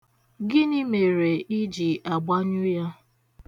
Gịnị mere i ji agbanyụ ya?